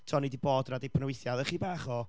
tibod, o'n i 'di bod yna dipyn o weithiau a o' chydig bach o,